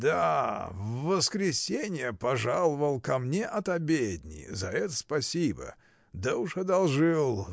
— Да, в воскресенье пожаловал ко мне от обедни: за это спасибо — да уж одолжил!